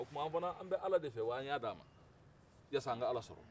o tuma an fɛne an b ɛ ala de fɛ w'an y'a d'a ma yaas'an ka ala sɔrɔ